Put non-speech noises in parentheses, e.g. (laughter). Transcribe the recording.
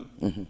(hesitation) (hesitation)